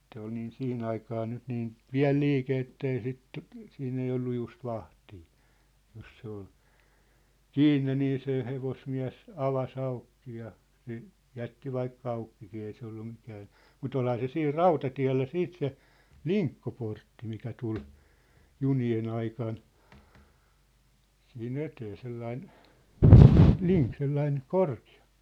se oli niin siihen aikaan nyt niin pieni liike että ei sitä siinä ei ollut just vahtia jos se oli kiinni niin se hevosmies avasi auki ja se jätti vaikka aukikin ei se ollut mikään mutta olihan se siinä rautatiellä sitten se linkkoportti mikä tuli junien aikana siihen eteen sellainen - sellainen korkea